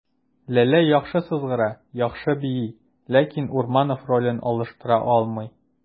Ләлә яхшы сызгыра, яхшы бии, ләкин Урманов ролен алыштыра алмый.